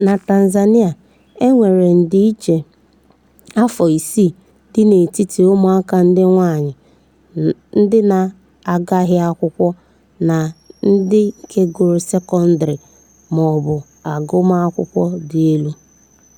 Na Tanzania, e nwere ndịiche afọ 6 dị n'etiti ụmụaka ndị nwaanyị ndị na-agụghị akwụkwọ na ndị nke gụrụ sekọndịrị ma ọ bụ agụmakwụkwọ dị elu.